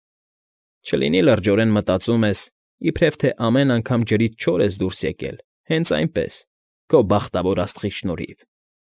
Չլինի՞ լրջորեն մտածում ես, իբրև թե ամեն անգամ ջրից չոր ես դուրս եկել հենց այնպես, քո բախտավոր աստղի շնորհիվ։